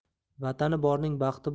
vatani borning baxti